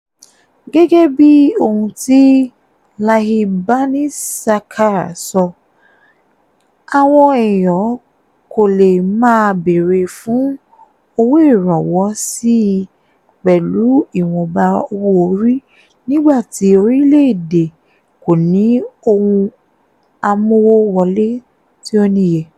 Gẹ́gẹ́ bí ohun tí @LahibBaniSakher sọ, Àwọn èèyàn kò lè máa bèèrè fún owó ìrànwọ́ síi pẹ̀lú ìwọ̀nba owó-orí, nígbà tí orílẹ̀-èdè kò ní ohun amówówọlé tí ó níye.